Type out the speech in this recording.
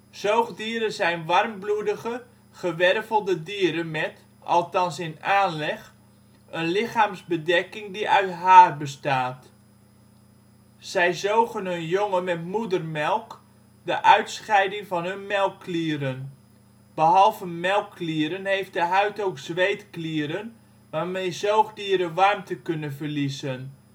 Zoogdieren zijn warmbloedige gewervelde dieren met – althans in aanleg – een lichaamsbedekking die uit haar bestaat. Zij zogen hun jongen met moedermelk, de uitscheiding van hun melkklieren. Behalve melkklieren heeft de huid ook zweetklieren, waarmee zoogdieren warmte kunnen verliezen